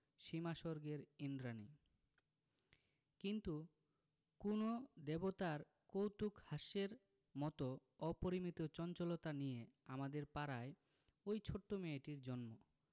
সীমাস্বর্গের ঈন্দ্রাণী কিন্তু কোন দেবতার কৌতূকহাস্যের মত অপরিমিত চঞ্চলতা নিয়ে আমাদের পাড়ায় ঐ ছোট মেয়েটির জন্ম